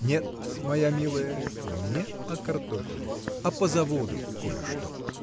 – Нет, моя милая, не о картофеле, а по заводу кое-что.